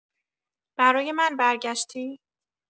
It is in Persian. برای من برگشتی؟